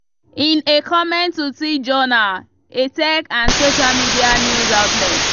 In a comment to TJournal, a tech and social media news outlet.